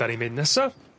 ...'dan ni'n mynd nesa.